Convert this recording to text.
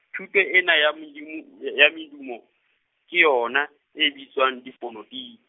thuto ena ya medimo , ya medumo, ke yona e bitswang difoneti-.